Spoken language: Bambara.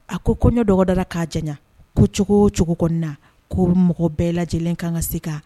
A ko ko kɔɲɔ dɔgɔda la ka janɲa ko cogo cogo kɔni na ko mɔgɔ bɛɛ lajɛlen kan ka se ka